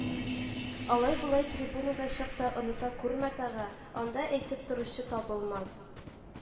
Алай-болай трибунада чакта оныта күрмә тагы, анда әйтеп торучы табылмас